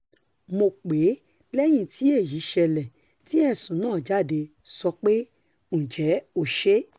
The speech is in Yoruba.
Mo pè é lẹ́yìn tí èyí ṣẹlẹ̀, tí ẹ̀sùn náà jáde, sọ pé 'Ǹjẹ́ ó ṣe é?'